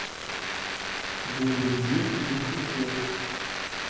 голые девки без трусов